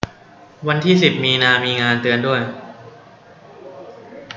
วันที่สิบมีนามีงานเตือนด้วย